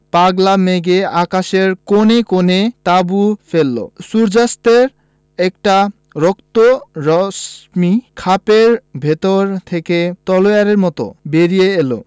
পাগলা মেঘ আকাশের কোণে কোণে তাঁবু ফেললো সূর্য্যাস্তের একটা রক্ত রশ্মি খাপের ভেতর থেকে তলোয়ারের মত বেরিয়ে এল